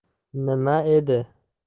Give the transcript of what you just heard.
nima edi